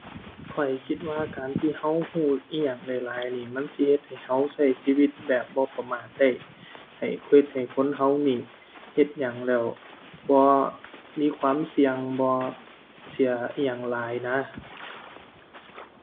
ข้อยคิดว่าการที่เราเราอิหยังหลายหลายนี่มันสิเฮ็ดให้เราเราชีวิตแบบบ่ประมาทได้ ให้ เฮ็ดให้คนเรานี่เฮ็ดหยังแล้ว บ่มีความเสี่ยง บ่เสียอิหยังหลายนะ